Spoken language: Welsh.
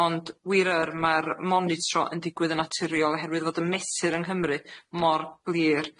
Ond wir yr, ma'r monitro yn digwydd yn naturiol oherwydd fod y mesur yng Nghymru mor glir.